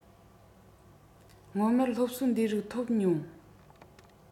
སྔོན མར སློབ གསོ འདིའི རིགས འཐོབ མྱོང